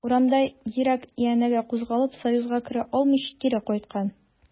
Урамда йөрәк өянәге кузгалып, союзга керә алмыйча, кире кайткан.